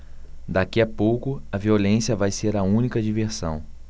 daqui a pouco a violência vai ser a única diversão